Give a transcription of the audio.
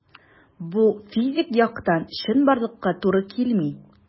Бу физик яктан чынбарлыкка туры килми.